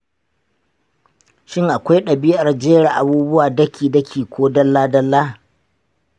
shin akwai ɗabi'ar jera abubuwa daki-daki ko dalla-dalla?